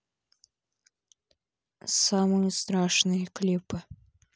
самые страшные клипы